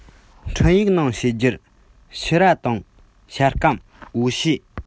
འཕྲིན ཡིག ནང བཤད རྒྱུར ཕྱུར ར དང ཤ སྐམ འོ ཕྱེ